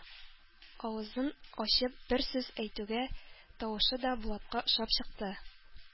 Авызын ачып бер сүз әйтүгә тавышы да Булатка ошап чыкты.